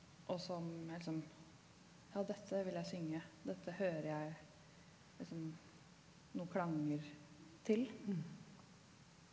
og som liksom ja dette vil jeg synge dette hører jeg liksom noe klanger til.